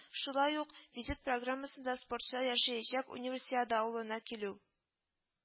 Шулай ук визит программасында – спортчылар яшәячәк Универсиада авылына килү